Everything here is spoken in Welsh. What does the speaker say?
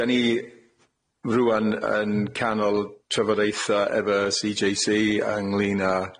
'dan ni rŵan yn canol trafodaetha' efo See Jay See ynglŷn â